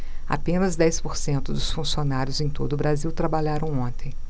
apenas dez por cento dos funcionários em todo brasil trabalharam ontem